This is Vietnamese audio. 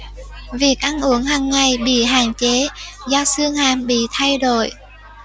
việc ăn uống hàng ngày bị hạn chế do xương hàm bị thay đổi